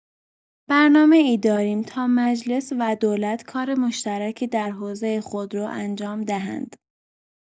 برنامه‌ای داریم تا مجلس و دولت کار مشترکی در حوزه خودرو انجام دهند.